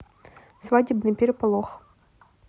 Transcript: свадебный переполох